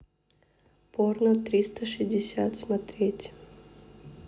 порно триста шестьдесят смотреть